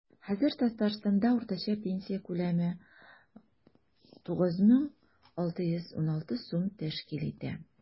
Хәзер Татарстанда уртача пенсия күләме 9616 сум тәшкил итә.